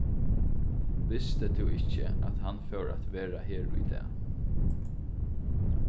visti tú ikki at hann fór at vera her í dag